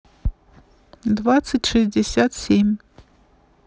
двадцать шестьдесят семь